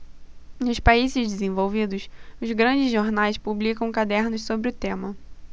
nos países desenvolvidos os grandes jornais publicam cadernos sobre o tema